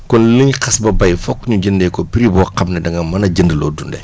kon liñ xas ba béy foog ñu jëndee ko prix boo xam ne da nga mën a jënd loo dundee